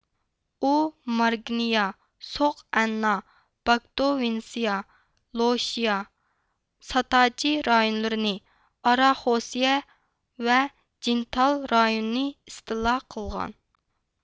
ئۇ مارگنيا سوق ئەننا باكتوۋنسىيا لوشيا ساتاجى رايونلىرىنى ئاراخوسيە ۋە جىنتال رايونىنى ئىستىلا قىلغان